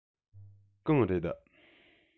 གང རེད